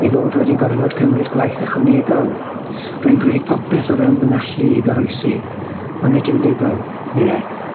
ei fod wedi gorfod cymryd gwaith ychwanegol. Rwy'n gwneud popeth o fewn fy ngallu i goroesi ond nid yw'n ddigon, meddai.